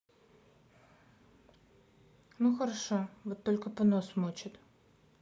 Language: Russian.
ну хорошо вот только понос мочит